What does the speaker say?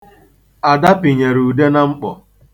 Ada pịnyere ude na mkpọ.